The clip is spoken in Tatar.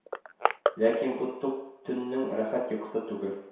Ләкин бу тук тәннең рәхәт йокысы түгел